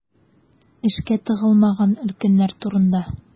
Эшкә тыгылмаган өлкәннәр турында.